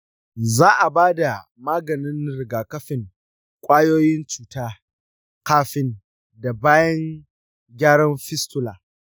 za a ba da maganin rigakafin ƙwayoyin cuta kafin da bayan gyaran fistula.